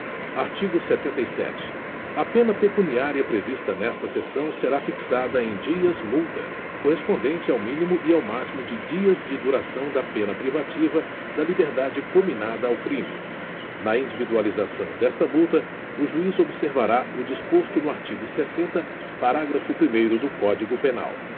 artigo setenta e sete a pena pecuniária prevista nesta seção será fixada em dias multa correspondente ao mínimo e ao máximo de dias de duração da pena privativa da liberdade cominada ao crime na individualização desta multa o juiz observará o disposto no artigo sessenta parágrafo primeiro do código penal